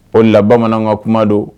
O de la bamananw ka kuma do